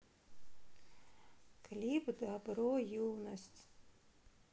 клип добро юность